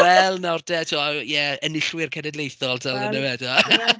Wel, nawr te timod, ie, enillwyr cenedlaethol, twel yn dyfe